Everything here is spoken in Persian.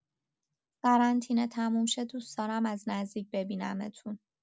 قرنطینه تموم شه دوست دارم از نزدیک ببینمتون